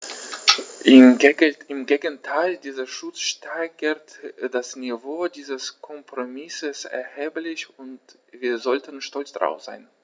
Im Gegenteil: Dieser Schutz steigert das Niveau dieses Kompromisses erheblich, und wir sollten stolz darauf sein.